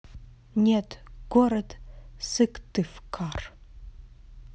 нет город сыктывкар